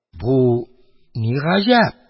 Бу ни гаҗәп?